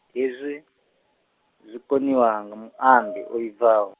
hezwi, zwi koniwa nga muambi , o vhibvaho.